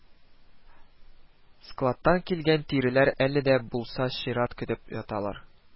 Складтан килгән тиреләр әле дә булса чират көтеп яталар